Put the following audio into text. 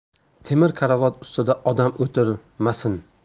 temir karavot ustida odam o'tirmasin